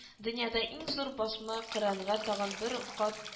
– дөньяда иң зур басма коръәнгә тагын бер кат